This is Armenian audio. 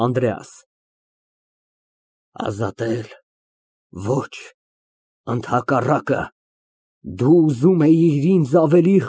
ԱՆԴՐԵԱՍ ֊ (Դառն հեգնական ծիծաղով) Ազատե՞լ։